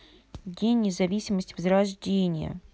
день независимости возрождение